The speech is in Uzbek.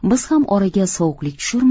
biz ham oraga sovuqlik